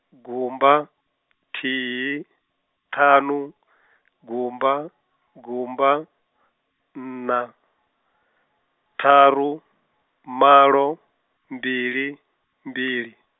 gumba, nthihi, ṱhanu, gumba, gumba, nṋa, ṱharu, malo, mbili, mbili.